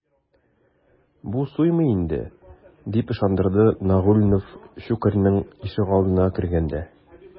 Бу суймый инде, - дип ышандырды Нагульнов Щукарьның ишегалдына кергәндә.